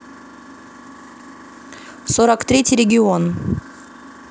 сорок третий регион